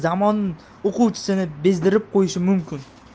zamon o'quvchisini bezdirib qo'yishi mumkin